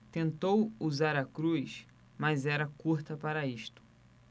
tentou usar a cruz mas era curta para isto